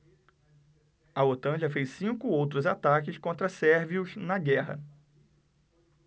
a otan já fez cinco outros ataques contra sérvios na guerra